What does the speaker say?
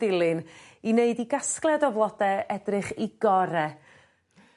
dilyn i neud i gasgliad o flode edrych 'u gore.